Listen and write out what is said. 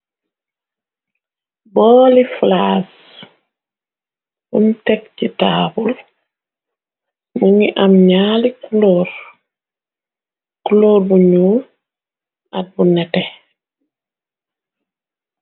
Booli flas umtek ci taawul muñu am ñaali clóor buñu ak bu neke.